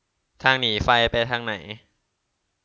ทางหนีไฟไปทางไหน